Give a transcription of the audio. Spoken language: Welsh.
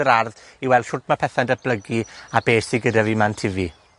yr ardd i weld shwt ma' pethe'n datblygu, a beth sydd gyda fi 'ma'n tyfu.